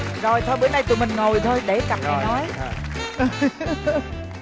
rồi thôi bữa nay tụi mình ngồi thôi để cặp này nói